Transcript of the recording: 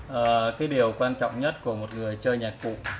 điều quan trọng nhất của người chơi nhạc cụ